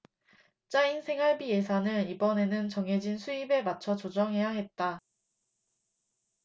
짜인 생활비 예산을 이번에는 정해진 수입에 맞춰 조정해야 했다